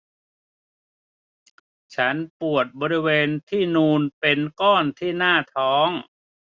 ฉันปวดบริเวณที่นูนเป็นก้อนที่หน้าท้อง